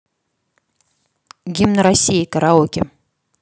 гимн россии караоке